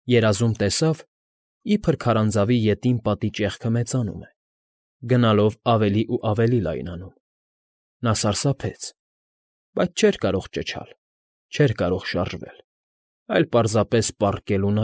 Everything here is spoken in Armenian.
Երազում տեսավ, իբր քարանձավի ետին պատի ճեղքը մեծանում է, գնալով ավելի ու ավելի լայնանում. նա սարսափեց, բայց չէր կարող ճչալ, չէր կարող շարժվել, այլ պարզապես պառկել ու։